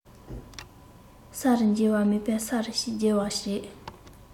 ས རུ འགྱེལ བ མིན པར ས རུ བསྒྱེལ བ རེད